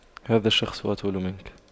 هذا الشخص أطول منك